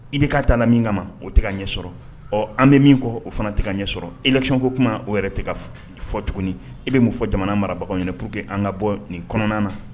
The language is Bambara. IBK taara lmin kama ma o tɛ ɲɛ sɔrɔ, ɔɔ an bɛ min kɔ o fana tɛ ka ɲɛ sɔrɔ. Élection ko kuma o yɛrɛ ka fɔ tuguni. I bɛ mun fɔ jamana marabagaw ɲɛna pour que an ka bɔ nin kɔnɔna na.